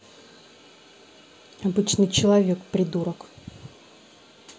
обычный человек придурок